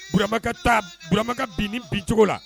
Burama ka taa b Burama ka bin nin bincogo la